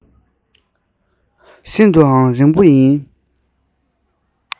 རིང པོ ཡིན